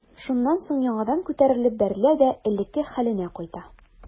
Шуннан соң яңадан күтәрелеп бәрелә дә элеккеге хәленә кайта.